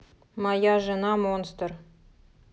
моя жена монстр